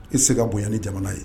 I'i se ka bonya ni jamana ye